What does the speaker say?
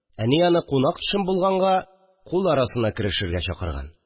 Әни аны, кунак-төшем булганга, кул арасына керешергә чакырган